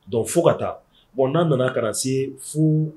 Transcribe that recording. Don fo ka taa bon n'a nana ka na se fu